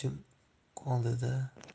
jimib qoldi da